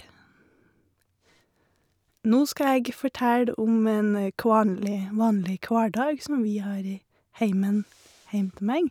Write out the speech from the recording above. Nå skal jeg fortelle om en kvanli vanlig hverdag som vi har i heimen heim til meg.